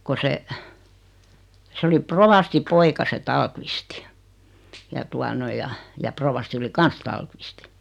kun se se oli rovastin poika se Tallqvist ja tuota noin ja ja rovasti oli kanssa Tallqvist